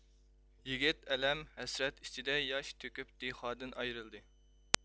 يىگىت ئەلەم ھەسرەت ئىچىدە ياش تۆكۈپ دىخوادىن ئايرىلدى